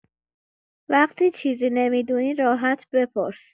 وقتی چیزی نمی‌دونی راحت بپرس